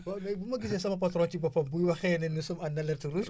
waaw mais bu ma gisee sama patron ci boppam buy waxee ne nous sommes en alerte rouge